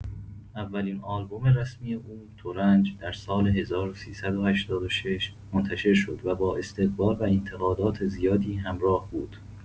اولین آلبوم رسمی او، "ترنج"، در سال ۱۳۸۶ منتشر شد و با استقبال و انتقادات زیادی همراه بود.